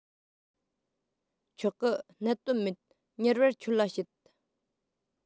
ཆོག གི གནད དོན མེད མྱུར བར ཁྱོད ལ བཤད